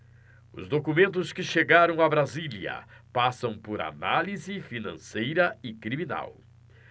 os documentos que chegaram a brasília passam por análise financeira e criminal